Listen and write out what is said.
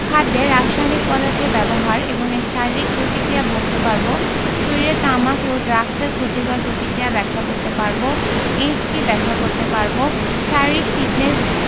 খাদ্যে রাসায়নিক পদার্থের ব্যবহার এবং এর শারীরিক প্রতিক্রিয়া বলতে পারব শরীরে তামাক ও ড্রাগসের ক্ষতিকর প্রতিক্রিয়া ব্যাখ্যা করতে পারব এইডস কী ব্যাখ্যা করতে পারব শারীরিক ফিটনেস